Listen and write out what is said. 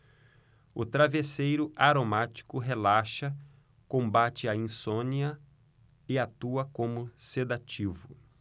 o travesseiro aromático relaxa combate a insônia e atua como sedativo